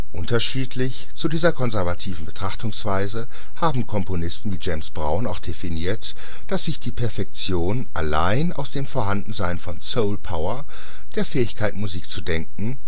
Unterschiedlich zu dieser konservativen Betrachtungsweise haben Komponisten wie James Brown auch definiert, dass sich die Perfektion allein aus dem Vorhandensein von " Soul Power ", der Fähigkeit Musik zu denken